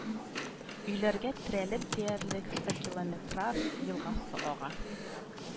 Өйләргә терәлеп диярлек Сакилометрар елгасы ага